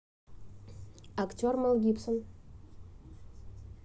актер мэл гибсон